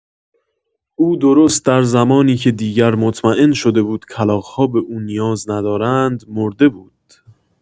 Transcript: او درست در زمانی که دیگر مطمئن شده بود کلاغ‌ها به او نیاز ندارند، مرده بود.